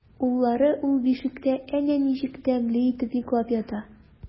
Уллары ул бишектә әнә ничек тәмле итеп йоклап ята!